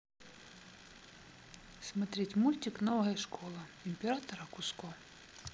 смотреть мультик новая школа императора куско